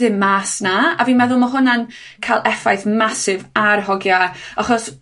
ddim mas 'na, a fi'n meddwl ma' hwnna'n ca'l effaith masif ar hogia, achos